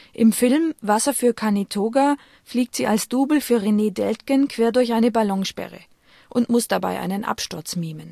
Im Film " Wasser für Canitoga " fliegt sie als Double für René Deltgen quer durch eine Ballonsperre und muss dabei einen Absturz mimen. Beate